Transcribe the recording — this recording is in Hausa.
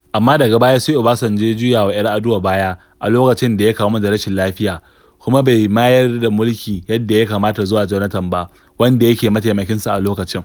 Amma daga baya sai Obasanjo ya juya wa 'Yar'aduwa baya a lokacin da ya kamu da rashin lafiya kuma bai mayar da mulki yadda ya kamata zuwa Jonathan ba, wanda yake mataimakinsa a lokacin.